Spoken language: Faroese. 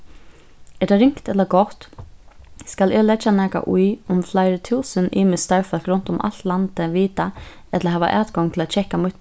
er tað ringt ella gott skal eg leggja nakað í um fleiri túsund ymisk starvsfólk runt um alt landið vita ella hava atgongd til at kekka mítt